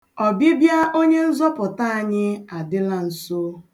Ọbịbịa onyenzọpụta anyị adịla nso.